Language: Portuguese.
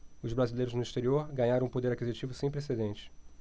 os brasileiros no exterior ganharam um poder aquisitivo sem precedentes